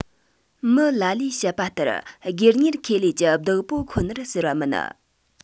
མི ལ ལས བཤད པ ལྟར སྒེར གཉེར ཁེ ལས ཀྱི བདག པོ ཁོ ནར ཟེར བ མིན